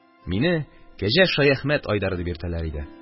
Мине Кәҗә Шаяхмәт Айдары дип йөртәләр иде.